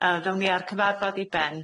Yy, ddown ni â'r cyfarfod i ben.